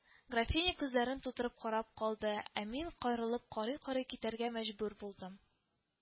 Графиня күзләрен тутырып карап калды, ә мин каерылып карый-карый китәргә мәҗбүр булдым